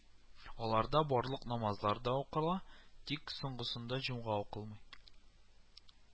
Аларда барлык намазлар да укыла, тик соңгысында җомга укылмый